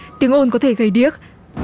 tiếng ồn có thể gây điếc